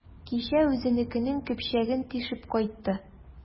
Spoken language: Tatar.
Кичә үзенекенең көпчәген тишеп кайтты.